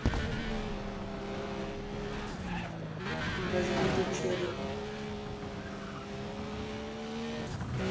разбитый телек